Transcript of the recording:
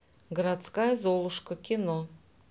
городская золушка кино